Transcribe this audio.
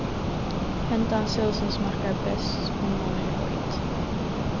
hendan sósin smakkar best um hon er heit